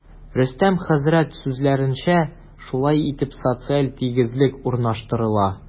Рөстәм хәзрәт сүзләренчә, шулай итеп, социаль тигезлек урнаштырыла.